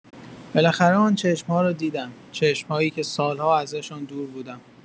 بالاخره آن چشم‌ها را دیدم، چشم‌هایی که سال‌ها ازشان دور بودم.